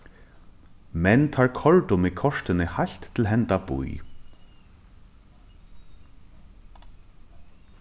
men teir koyrdu meg kortini heilt til henda bý